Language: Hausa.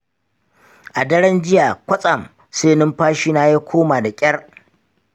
a daren jiya kwatsam sai numfashina ya koma da ƙyar.